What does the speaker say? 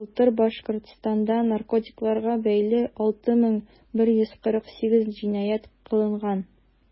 Былтыр Башкортстанда наркотикларга бәйле 6148 җинаять кылынган.